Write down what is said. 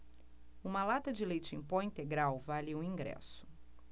uma lata de leite em pó integral vale um ingresso